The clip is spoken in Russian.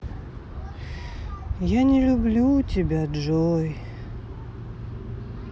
я не люблю тебя джой